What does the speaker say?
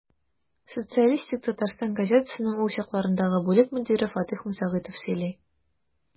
«социалистик татарстан» газетасының ул чаклардагы бүлек мөдире фатыйх мөсәгыйтов сөйли.